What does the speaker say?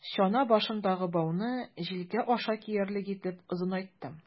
Чана башындагы бауны җилкә аша киярлек итеп озынайттым.